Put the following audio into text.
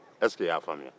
ɛseke i y'a faamuya